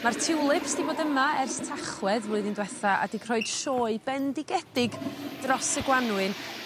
ma'r tulips 'di bod yma ers Tachwedd flwyddyn dwetha a 'di croed sioe bendigedig dros y Gwanwyn